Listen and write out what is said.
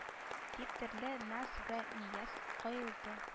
Дип төрле наз вә нияз кыйлды